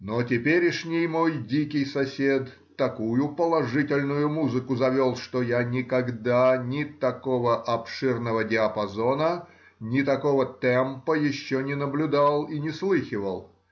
Но теперешний мой дикий сосед такую положительную музыку завел, что я никогда ни такого обширного диапазона, ни такого темпа еще не наблюдал и не слыхивал